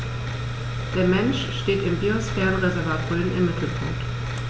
Der Mensch steht im Biosphärenreservat Rhön im Mittelpunkt.